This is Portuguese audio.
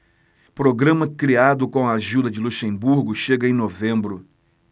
programa criado com a ajuda de luxemburgo chega em novembro